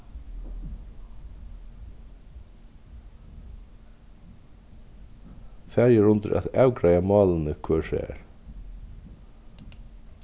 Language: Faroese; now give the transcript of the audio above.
farið er undir at avgreiða málini hvør sær